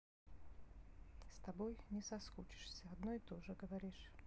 с тобой не соскучишься одно и тоже говоришь